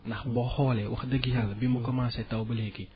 ndax boo xoolee wax dëgg Yàlla bi mu commencé taw ba léegi